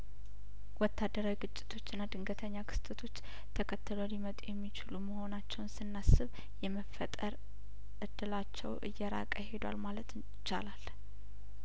ወታደራዊ ግጭቶችና ድንገተኛ ክስተቶች ተከትለው ሊመጡ የሚችሉ መሆናቸውን ስናስብ የመፈጠር እድላቸው እየራቀ ሄዷል ማለት ይቻላል